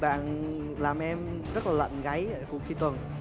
bạn làm em rất lạnh gáy ở cuộc thi tuần